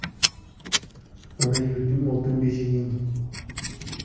ona yurting oltin beshiging